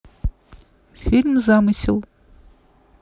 фильм замысел